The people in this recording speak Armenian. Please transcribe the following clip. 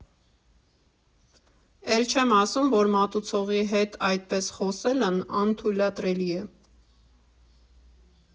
Էլ չեմ ասում, որ մատուցողի հետ այդպես խոսելն անթույլատրելի է.